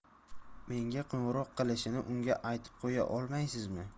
menga qo'ng'iroq qilishini unga aytib qo'ya olmaysizmi